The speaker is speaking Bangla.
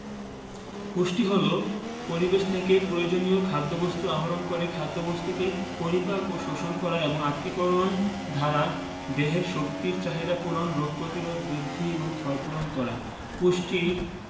পুষ্টি হলো পরিবেশ থেকে প্রয়োজনীয় খাদ্যবস্তু আহরণ করে খাদ্যবস্তুকে পরিপাক ও শোষণ করা এবং আত্তীকরণ দ্বারা দেহের শক্তির চাহিদা পূরণ রোগ প্রতিরোধ বৃদ্ধি ও ক্ষয়পূরণ করা পুষ্টির